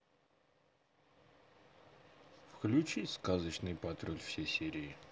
включить сказочный патруль все серии